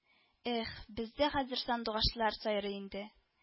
— эх, бездә хәзер сандугачлар сайрый инде